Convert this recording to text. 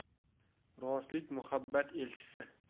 rostlik muhabbat elchisi